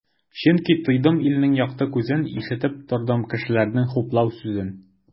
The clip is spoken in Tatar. Чөнки тойдым илнең якты күзен, ишетеп тордым кешеләрнең хуплау сүзен.